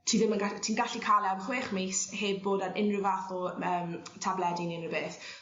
ti ddim yn ga- ti'n gallu ca'l e am chwech mis heb bod ar unryw fath o yym twtian tabledi ne' unryw beth